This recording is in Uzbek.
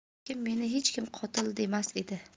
lekin meni hech kim qotil demas edi